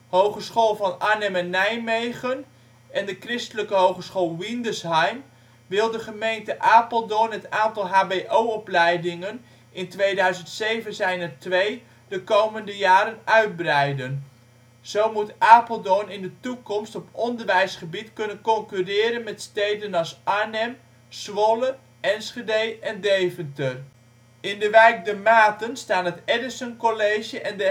Hogeschool van Arnhem en Nijmegen en de Christelijke Hogeschool Windesheim wil de gemeente Apeldoorn het aantal hbo-opleidingen (in 2007 zijn het er twee) de komende jaren uitbreiden. Zo moet Apeldoorn in de toekomst op onderwijsgebied kunnen concurreren met steden als Arnhem, Zwolle, Enschede en Deventer. In de wijk De Maten staan het Edison College en De